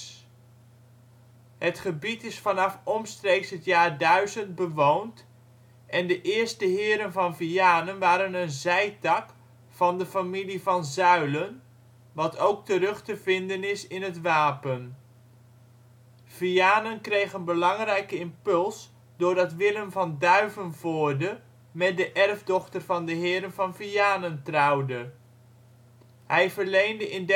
Het gebied is vanaf omstreeks het jaar 1000 bewoond, en de eerste heren van Vianen waren een zijtak van de familie van Zuylen, wat ook terug te zien is in het wapen. Vianen kreeg een belangrijke impuls doordat Willem van Duivenvoorde met de erfdochter van de heren van Vianen trouwde. Hij verleende in